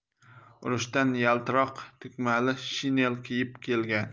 urushdan yaltiroq tugmali shinel kiyib kelgan